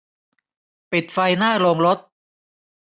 ปิดไฟหน้าโรงรถ